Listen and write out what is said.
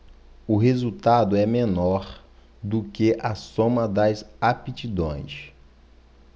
o resultado é menor do que a soma das aptidões